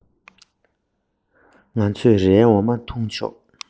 ཞོགས པར ར རྣམས རི ལ དེད པ དང